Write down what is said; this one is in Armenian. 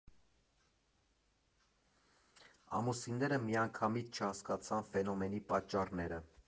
Ամուսինները միանգամից չհասկացան ֆենոմենի պատճառները։